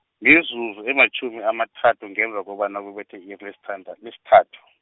mizuzu ematjhumi amathathu ngemva kobana kubethe i-iri lesithand- lesithathu.